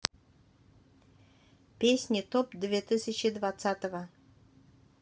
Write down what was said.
песни топ две тысячи двадцатого